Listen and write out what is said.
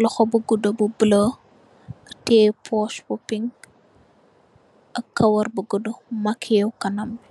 loho bu gudo bu bolo tai puse bu pink ak karaw bu gudu makiye kanambi.